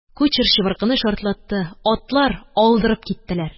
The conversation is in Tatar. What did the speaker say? Кучер чыбыркыны шартлатты. Атлар алдырып киттеләр